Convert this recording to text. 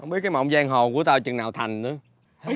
hổng biết cái mộng giang hồ của tao chừng nào thành nữa